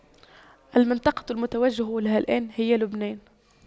المنطقة المتوجه لها الآن هي لبنان